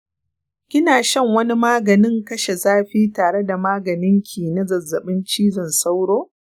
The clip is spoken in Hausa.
kina shan wani maganin kashe zafi tare da maganinki na zazzaɓin cizon sauro?